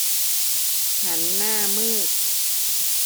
ฉันหน้ามืด